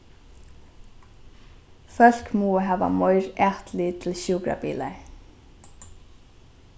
fólk mugu hava meir atlit til sjúkrabilar